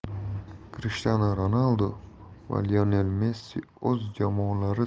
krishtianu ronaldu va lionel messi o'z jamoalari